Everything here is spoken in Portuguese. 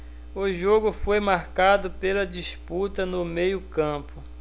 o jogo foi marcado pela disputa no meio campo